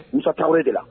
Musata de la